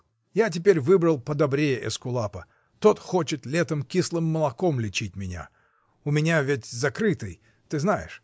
— Я теперь выбрал подобрее эскулапа: тот хочет летом кислым молоком лечить меня: у меня ведь закрытый. ты знаешь?